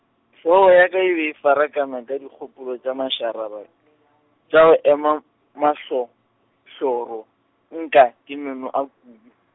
hlogo ya ka e be e farakana ka dikgopolo tša mašarara , tša go ema, mahlohloro nka ke meno a kubu.